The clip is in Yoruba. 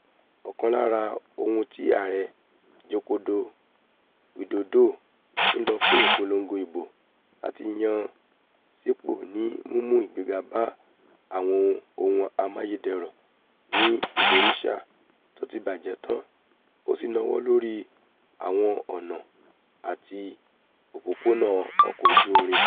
Ọ̀kan lára ohun tí Ààrẹ Joko Widodo ń lò fún ìpolongo ìbò láti yan án sípò ni mímú ìgbéga bá àwọn ohun amáyédèrú ní Indonesia tó ti bàjẹ́ tán, ó sì náwó lórí àwọn ọ̀nà àti opópónà ọkọ̀ ojú-irin